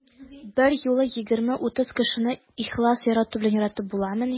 Берьюлы 20-30 кешене ихлас ярату белән яратып буламыни?